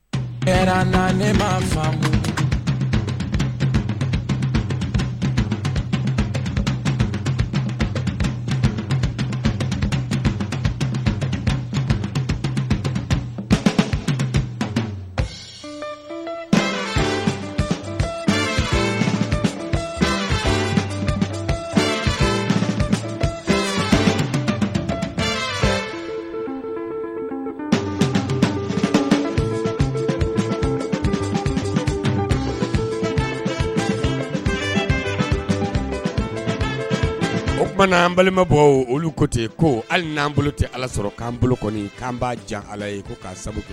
O tumaumana an balima bɔ olu ko ten ko hali n'an bolo tɛ ala sɔrɔ k'an bolo kɔni k'an b'a jan ala ye ko k'a sago